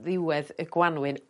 ddiwedd y Gwanwyn